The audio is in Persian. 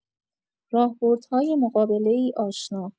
راهبردهای مقابله‌ای آشنا